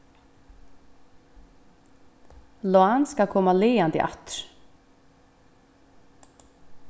lán skal koma læandi aftur